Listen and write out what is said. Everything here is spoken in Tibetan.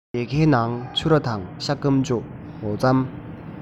ཡི གེའི ནང ཕྱུར ར དང ཤ སྐམ འོ ཕྱེ